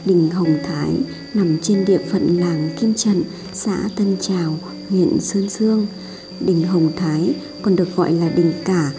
đình hồng thái nằm trên địa phận làng kim trận xã tân trào huyện sơn dương đình hồng thái còn được gọi là đình cả